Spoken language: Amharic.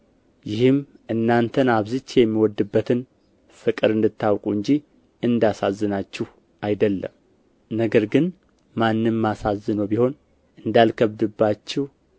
ይህም እናንተን አብዝቼ የምወድበትን ፍቅር እንድታውቁ እንጂ እንዳሳዝናችሁ አይደለም ነገር ግን ማንም አሳዝኖ ቢሆን እንዳልከብድባችሁ